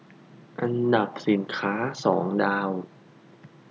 อันดับสินค้าสองดาว